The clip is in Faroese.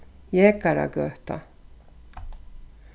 jekaragøta